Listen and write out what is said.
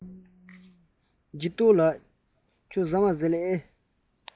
འཇིགས སྟོབས ལགས ཁྱེད རང ཞལ ལག མཆོད པས